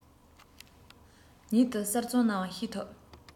ཉིད དུ གསར རྩོམ གནང བ ཤེས ཐུབ